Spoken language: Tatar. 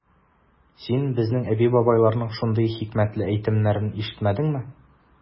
Син безнең әби-бабайларның шундый хикмәтле әйтемнәрен ишетмәдеңме?